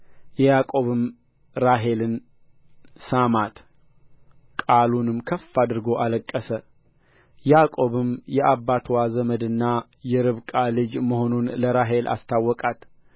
ያዕቆብም ራሔልን ሳማት ቃሉንም ከፍ አድርጎ አለቀሰ ያዕቆብም የአባትዋ ዘመድና የርብቃ ልጅ መሆኑን ለራሔል አስታወቃት